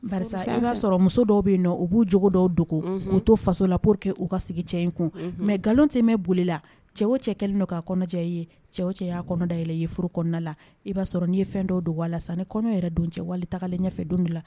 I b'a sɔrɔ muso dɔw bɛ yen nɔ u b'u cogo dɔw dogo k' to faso la po que u ka sigi cɛ in kun nka nkalon tɛ bɛ boli la cɛ o cɛ kɛlen don ka kɔnɔdiya ye cɛ cɛ y'a kɔnɔdayɛlɛn ye furu kɔnɔnada la i b'a sɔrɔ n' ye fɛn dɔw don walasa la sa ni kɔnɔ yɛrɛ don cɛ wali talen ɲɛfɛ don de la